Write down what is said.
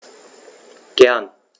Gern.